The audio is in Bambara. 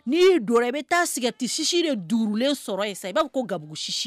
N'i y'i do ye i bɛ taa sigitisisi de duguurunlen sɔrɔ yen i b'a fɔ ko gabugusi